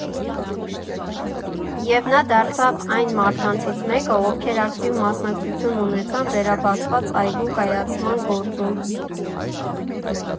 Եվ նա դարձավ այն մարդկանցից մեկը, ովքեր ակտիվ մասնակցություն ունեցան վերաբացված այգու կայացման գործում։